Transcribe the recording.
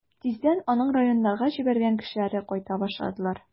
Тиздән аның районнарга җибәргән кешеләре кайта башладылар.